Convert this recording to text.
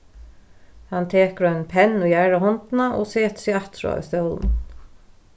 hann tekur ein penn í aðra hondina og setir seg afturá í stólinum